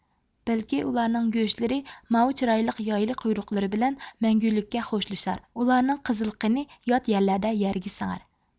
بەلكى ئۇلارنىڭ گۆشلىرى ماۋۇ چىرايلىق يايلى قۇيرۇقلىرى بىلەن مەڭگۈلۈككە خوشلىشار ئۇلارنىڭ قىزىل قېنى يات يەرلەردە يەرگە سىڭەر